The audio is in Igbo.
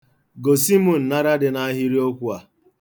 Gosi m nnara dị n'ahiriokwu a.